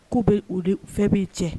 K'u bɛ, u ni fɛn min cɛ.